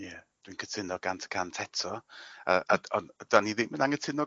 Ie. Dwi'n cytuno gant y cant eto. Yy a d- ond 'dan ni ddim yn angytuno...